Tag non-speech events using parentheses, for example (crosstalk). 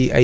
(hesitation)